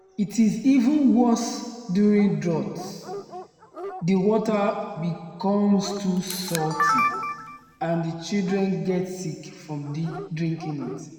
It is even worse during droughts; the water becomes too salty, and children get sick from drinking it.”